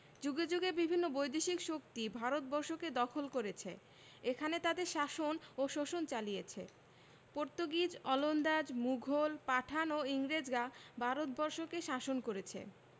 যুগে যুগে বিভিন্ন বৈদেশিক শক্তি ভারতবর্ষকে দখল করেছে এখানে তাদের শাসন ও শোষণ চালিছে পর্তুগিজ ওলন্দাজ মুঘল পাঠান ও ইংরেজরা ভারত বর্ষকে শাসন করেছে